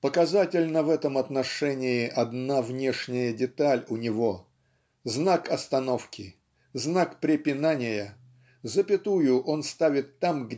Показательна в этом отношении одна внешняя деталь у него знак остановки знак препинания запятую он ставит там